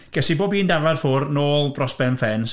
Ges i bob un dafad ffwrdd nôl dros ben ffens.